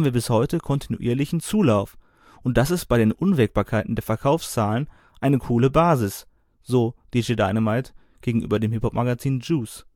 bis heute kontinuierlichen Zulauf, und das ist bei den Unwägbarkeiten der Verkaufszahlen eine coole Basis. “– DJ Dynamite gegenüber dem Hip-Hop-Magazin Juice